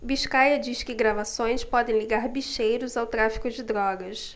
biscaia diz que gravações podem ligar bicheiros ao tráfico de drogas